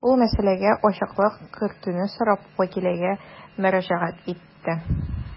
Ул мәсьәләгә ачыклык кертүне сорап вәкилгә мөрәҗәгать итте.